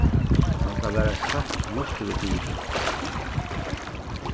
hatta var eitt satt náttúrufyribrigdi